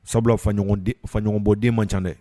Sabula faɲɔgɔn den faɲɔgɔnbɔden man ca dɛ